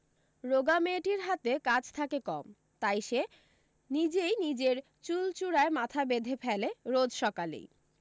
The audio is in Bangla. রোগা মেয়েটির হাতে কাজ থাকে কম তাই সে নিজই নিজের চুলচূড়ায় মাথা বেঁধে ফেলে রোজ সকালেই